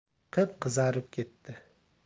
qip qizarib ketdi